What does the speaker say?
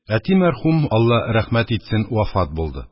Әти мәрхүм, Алла рәхмәт итсен, вафат булды.